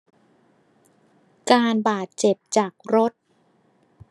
การบาดเจ็บจากรถ